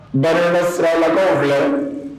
Da siralakaw filɛ